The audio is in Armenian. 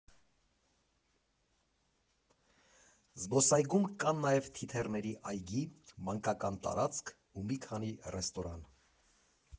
Զբոսայգում կան նաև թիթեռների այգի, մանկական տարածք ու մի քանի ռեստորան.